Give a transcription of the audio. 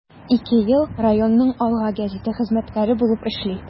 Ике ел районның “Алга” гәзите хезмәткәре булып эшли.